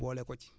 boole ko ci